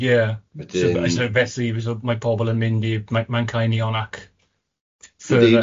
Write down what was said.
Ie... Wedyn... so felly mae pobol yn mynd i'r Manceinion ac further.